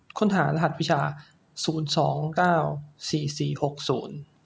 ค้นหารหัสวิชาศูนย์สองเก้าสี่สี่หกศูนย์